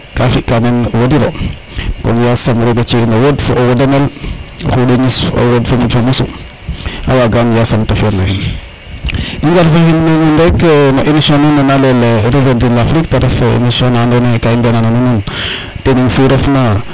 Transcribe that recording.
ka fi ka nen wodiro kon yasam roga ci ya in o wod fo o wodanel o xundo ñis fo o wod fo o muco mosu a wagan yasam te fiyan na in i ngar fa nuun rek émission nuun ne na leyel reverdire l' Afrique te ref émission na ando naye ka i mbiya nana nuun tening fu ref na